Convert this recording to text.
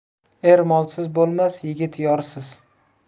er molsiz bo'lmas yigit yorsiz